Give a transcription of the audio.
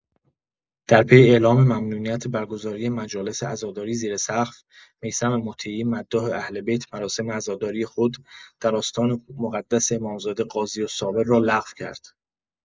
در پی اعلام ممنوعیت برگزاری مجالس عزاداری زیر سقف، میثم مطیعی مداح اهل‌بیت مراسم عزاداری خود، در آستان مقدس امامزاده قاضی‌الصابر را لغو کرد.